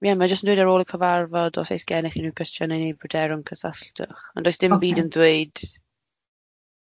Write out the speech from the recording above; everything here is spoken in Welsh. Ie ma' jyst yn dweud ar ôl y cyfarfod os aes gennych unrhyw cwestiynnau neu'r pryderon cysylltwch, ond does... Ocê. ...dim byd yn dweud.